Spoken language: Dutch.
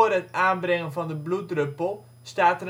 het aanbrengen van de bloeddruppel, staat